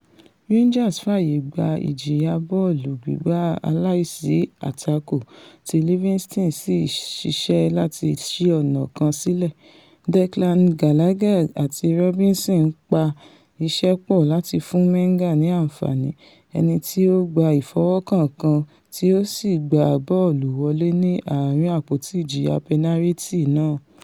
Rangers fáàyè gba ìjìya bọ́ọ̀lù gbígbá aláìsí-àtakò tí Livinston sì ṣiṣẹ́ láti sí ọ̀nà kan sílẹ̀, Declan Gallagher àti Robinson ńpá iṣẹ́ pọ̀ láti fún Menga ni àǹfààní, ẹnití ó gba ìfọwọ́kàn kàn tí ó sì gbá bọ́ọ̀lù wọlé ní ààrin àpótí ìjìya pẹnariti náà.